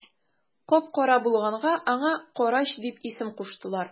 Кап-кара булганга аңа карач дип исем куштылар.